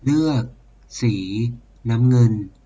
เลือกสีน้ำเงิน